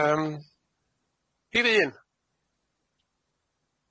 Yym rhif un.